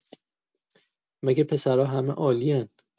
مگه پسرا همه عالین